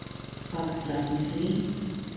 Фактлар ни сөйли?